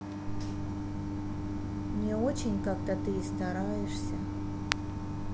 не очень как то ты и стараешься